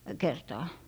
kertaa